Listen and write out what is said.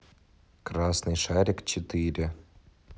красный шарик четыре